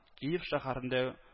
Киев шәһәрендә